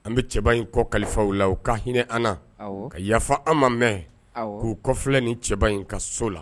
An bɛ cɛbaba in kɔ kalifaw la u ka hinɛ an ka yafa an ma mɛn k'u kɔfi ni cɛbaba in ka so la